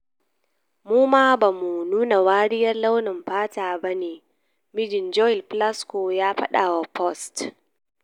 mu ba masu nuna wariyar launin fata bane, “mijin Joel Plasco ya fadawa Post.